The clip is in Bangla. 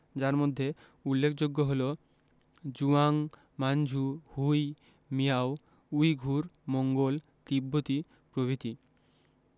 যার মধ্যে উল্লেখযোগ্য হলো Zhuang Manchu Hui Miao Uyghur Mongol তিব্বতি প্রভৃতি